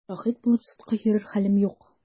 Шаһит булып судка йөрер хәлем юк!